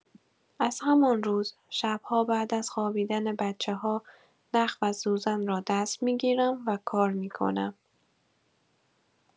از همان روز شب‌ها بعد از خوابیدن بچه‌ها نخ و سوزن را دست می‌گیرم و کار می‌کنم.